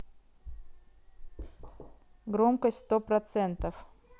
громкость сто процентов